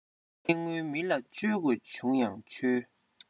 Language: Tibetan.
གསེར དངུལ མི ལ བཅོལ དགོས བྱུང ཡང ཆོལ